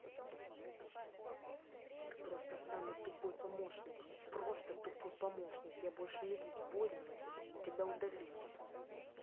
ты просто самый тупой помощник просто тупой помощник я больше не буду пользоваться тебя удалю